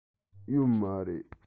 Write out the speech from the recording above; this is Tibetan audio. ཡོད མ རེད